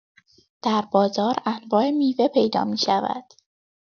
در بازار انواع میوه پیدا می‌شود.